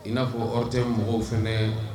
I n'a fɔ yɔrɔ tɛ mɔgɔw fana